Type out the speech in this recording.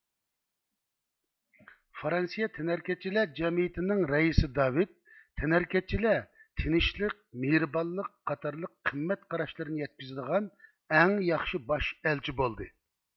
فرانسىيە تەنھەرىكەتچىلەر جەمئىيىتىنىڭ رەئىسى داۋىد تەنھەرىكەتچىلەر تىنچلىق مېھرىبانلىق قاتارلىق قىممەت قاراشلىرىنى يەتكۈزىدىغان ئەڭ ياخشى باش ئەلچى بولدى